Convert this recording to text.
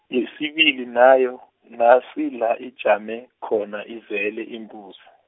yesibili nayo, nasi la ijame, khona izele iimbuzi.